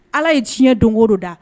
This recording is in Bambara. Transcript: Ala ye diɲɛ don o don dan